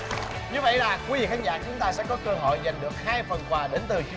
như vậy là quý vị khán giả chúng ta sẽ có cơ hội giành được hai phần quà đến từ chương